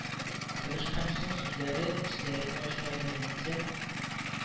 Кереш һәм соң сүзләрне, эчтәлекне ачуга ярдәм итсә